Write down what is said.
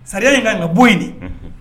Saya in ka kan n ka bɔ yen de